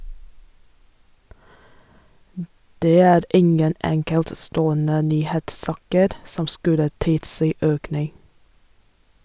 - Det er ingen enkeltstående nyhetssaker som skulle tilsi økning.